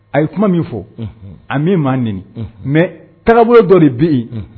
A ye kuma min fɔ a min ma n mɛ tarawele dɔ de bɛ yen